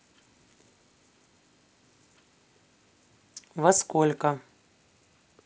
во сколько